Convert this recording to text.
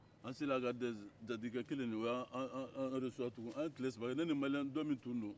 an selen akadɛzi jatigikɛ kelen in o y'an jigiya tugun an ye tile saba kɛ ne ni maliyen dɔn min tun don